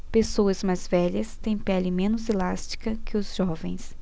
pessoas mais velhas têm pele menos elástica que os jovens